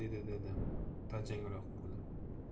dedi dadam tajangroq bo'lib